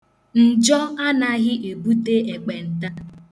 Njọ anaghị ebute ekpenta.